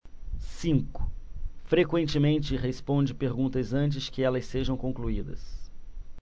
cinco frequentemente responde perguntas antes que elas sejam concluídas